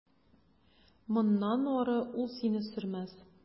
Моннан ары ул сине сөрмәс.